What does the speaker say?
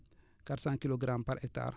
quatre cent kilogrammes par hectare